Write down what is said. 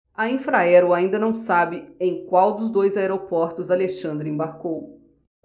a infraero ainda não sabe em qual dos dois aeroportos alexandre embarcou